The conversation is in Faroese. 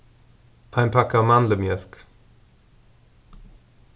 ein pakka av mandlumjólk